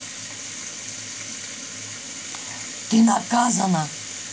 ты наказана